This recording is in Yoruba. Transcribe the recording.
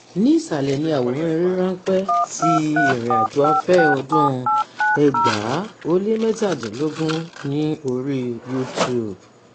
Ní ìsàlẹ̀ ni àwòrán-eré ránpẹ́ ti ìrìnàjò afẹ́ ọdún-un 2017 ní oríi YouTube: